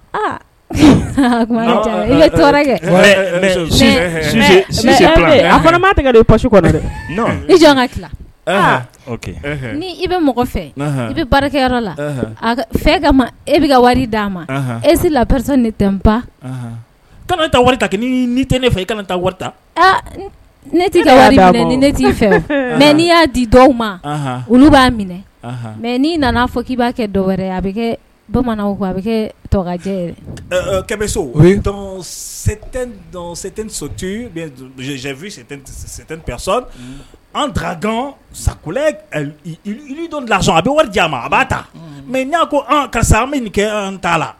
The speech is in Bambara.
Aa kɛ a pa dɛ i ka ni i bɛ mɔgɔ fɛ i bɛ barikakɛyɔrɔ la fɛn e bɛ ka wari d'a ma esi lapre ne tɛ ba tan taa wari ta n' tɛ ne fɛ i kana taa wari ta tɛ ne t tɛ fɛ mɛ n'i y'a di dɔw ma olu b'a minɛ mɛ n'i nana fɔ i b'a kɛ dɔw wɛrɛ ye a bɛ kɛ bamanan a bɛ kɛ tojɛ yɛrɛ kɛmɛtttsɔ an sadon lasɔ a bɛ wari jan ma a b'a ta mɛ'a ko ka sa an bɛ kɛ an t ta la